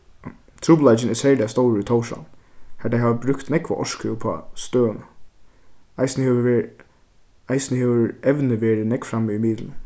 trupulleikin er serliga stórur í tórshavn har tey hava brúkt nógva orku uppá støðuna eisini hevur verið eisini hevur evnið verið nógv frammi í miðlunum